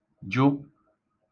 jụ